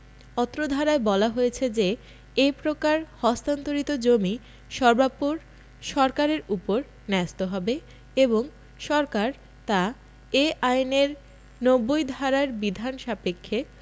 অত্র ধারায় বলা হয়েছে যে এ প্রকার হস্তান্তরিত জমি সর্বাপর সরকারের ওপর ন্যস্ত হবে এবং সরকার তা এ আইনের ৯০ ধারার বিধান সাপেক্ষে